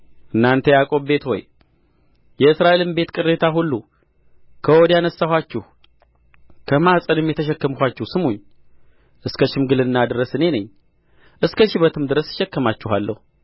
እናንተ የያዕቆብ ቤት ሆይ የእስራኤልም ቤት ቅሬታ ሁሉ ከሆድ ያነሣኋችሁ ከማኅፀንም የተሸከምኋችሁ ስሙኝ እስከ ሽምግልና ድረስ እኔ ነኝ እስከ ሽበትም ድረስ እሸከማችኋለሁ